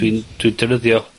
...dwi'n, dwi defnyddio.